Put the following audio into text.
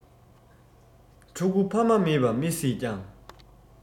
ཕྲུ གུ ཕ མ མེད པ མི སྲིད ཀྱང